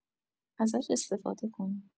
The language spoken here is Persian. ازش استفاده کنیم.